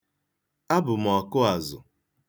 Abụ m ọkụazụ.